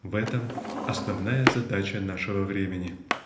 В этом -- основная задача нашего времени.